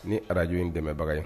Ni araj in dɛmɛbagaw ye